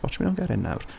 Watch me don't get in nawr.